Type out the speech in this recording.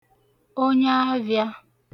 onyaavịā